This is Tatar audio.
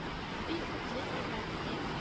Бик күп мең еллар элек